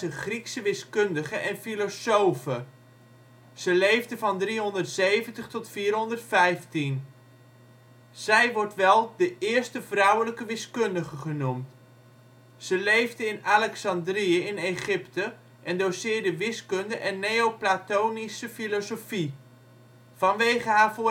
Griekse wiskundige en filosofe. Ze leefde van 370 tot 415. Zij wordt wel de eerste vrouwelijke wiskundige genoemd. Ze leefde in Alexandrië (Egypte) en doceerde wiskunde en neoplatonische filosofie. Vanwege haar vooruitstrevende